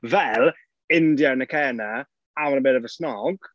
Fel India and Akena having a bit of a snog.